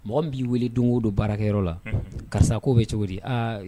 Mɔgɔ b'i wele don o don baarakɛyɔrɔ la karisa ko bɛ cogo di aaa